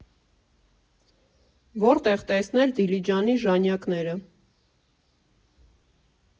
Որտեղ տեսնել Դիլիջանի ժանյակները։